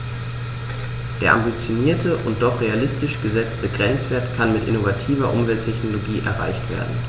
Der ambitionierte und doch realistisch gesetzte Grenzwert kann mit innovativer Umwelttechnologie erreicht werden.